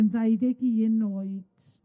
###yn ddau ddeg un oed.